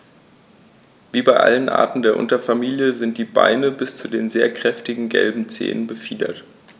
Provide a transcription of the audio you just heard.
Wie bei allen Arten der Unterfamilie sind die Beine bis zu den sehr kräftigen gelben Zehen befiedert.